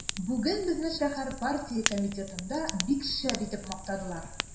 Бүген безне шәһәр партия комитетында бик шәп итеп мактадылар.